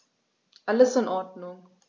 Alles in Ordnung.